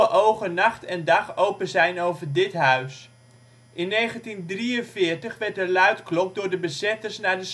ogen nacht en dag open zijn over dit huis ". In 1943 werd de luidklok door de bezetters naar de